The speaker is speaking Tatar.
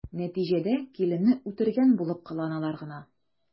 Нәтиҗәдә киленне үтергән булып кыланалар гына.